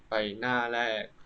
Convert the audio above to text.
ไปหน้าแรก